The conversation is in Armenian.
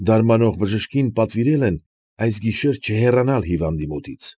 Դարմանող բժշկին պատվիրել են այս գիշեր չհեռանալ հիվանդի մոտից։